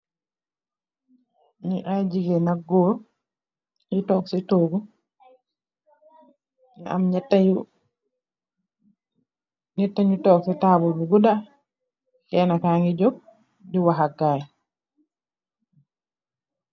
Ñii ay gigeen ak gór ñi tóóg ci tohgu, nga am ñeeta ñu tóóg ci tabull bu gudda Kenna ka ngi jok di wax ak gayi.